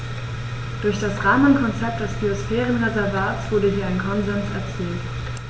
Durch das Rahmenkonzept des Biosphärenreservates wurde hier ein Konsens erzielt.